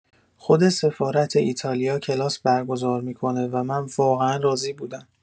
خود سفارت ایتالیا کلاس برگزار می‌کنه و من واقعا راضی بودم.